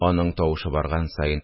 Аның тавышы барган саен